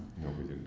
ñoo ko jënd